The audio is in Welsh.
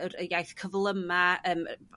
yr yr iaith cyflyma' yym